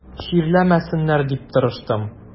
Чирләмәсеннәр дип тырыштым.